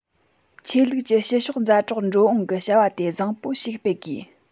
ཆོས ལུགས ཀྱི ཕྱི ཕྱོགས མཛའ གྲོགས འགྲོ འོང གི བྱ བ དེ བཟང བོ ཞིག སྤེལ དགོས